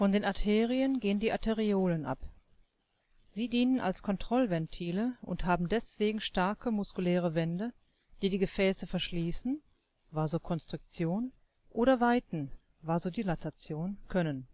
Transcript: den Arterien gehen die Arteriolen ab, sie dienen als Kontrollventile, und haben deswegen starke muskuläre Wände, die die Gefäße verschließen (Vasokonstriktion) oder weiten (Vasodilatation) können